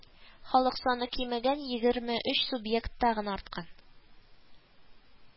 Халык саны кимегән, егерме өч субъектта гына арткан